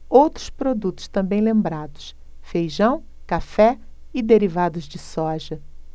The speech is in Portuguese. outros produtos também lembrados feijão café e derivados de soja